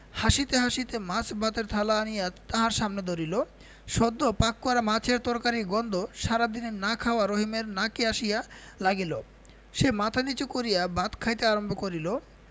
হাসিতে হাসিতে মাছ ভাতের থালা আনিয়া তাহার সামনে ধরিল সদ্য পাক করা মাছের তরকারির গন্ধ সারাদিনের না খাওয়া রহিমের নাকে আসিয়া লাগিল সে মাথা নীচু করিয়া ভাত খাইতে আরম্ভ করিল